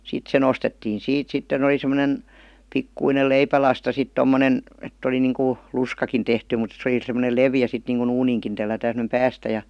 sitten se nostettiin siitä sitten oli semmoinen pikkuinen leipälasta sitten tuommoinen että oli niin kuin lusikkakin tehty mutta se oli semmoinen leveä sitten niin kuin uuniinkin tellätään semmoinen päästä ja